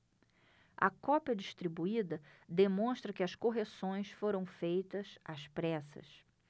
a cópia distribuída demonstra que as correções foram feitas às pressas